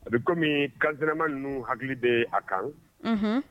A bi kɔmi kan sinama ninnu hakili bɛ a kan Unhun